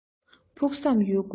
ཕུགས བསམ ཡོད དགོས